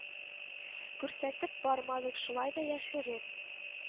Күрсәтеп бармадык, шулай да яшереп